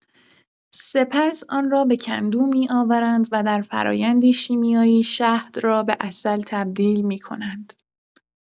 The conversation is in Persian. سپس آن را به کندو می‌آورند و در فرآیندی شیمیایی، شهد را به عسل تبدیل می‌کنند.